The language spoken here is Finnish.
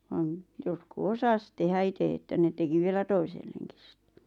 vaan jotkut osasi tehdä itse että ne teki vielä toisellekin sitten